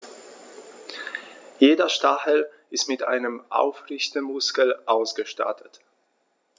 Jeder Stachel ist mit einem Aufrichtemuskel ausgestattet.